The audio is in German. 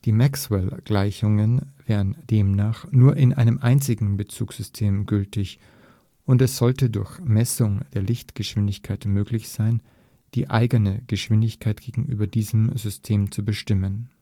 Maxwell-Gleichungen wären demnach nur in einem einzigen Bezugsystem gültig, und es sollte durch Messung der Lichtgeschwindigkeit möglich sein, die eigene Geschwindigkeit gegenüber diesem System zu bestimmen